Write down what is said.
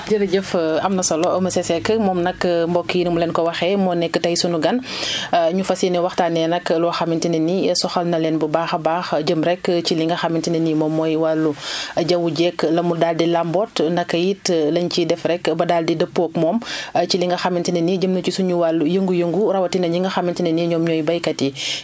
jërëjëf am na solo monsieur Seck moom nag mbokk yi nu mu leen ko waxee moo nekk tay sunu gan ñu fas yéene waxtaanee nag loo xamante ne nii soxal na leen bu baax a baax jëm rekk ci li nga xamante ne nii moom mooy wàllu jaww jeeg la mu daal di làmboot naka it la ñu ciy def rekk ba daal di dëppoog moom ci li nga xamante ne nii jëm na ci suñu wàllu yëngu-yëngu rawatina ñi nga xamante ne nii ñoom ñooy baykat yi